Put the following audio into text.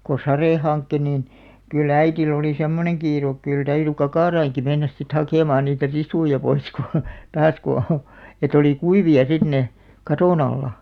kun sade hankki niin kyllä äidillä oli semmoinen kiire kyllä täytyi kakaroidenkin mennä sitten hakemaan niitä risuja pois kun taas kun että oli kuivia sitten ne katon alla